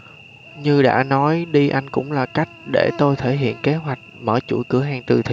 như đã nói đi anh cũng là cách để tôi thể hiện kế hoạch mở chuỗi cửa hàng từ thiện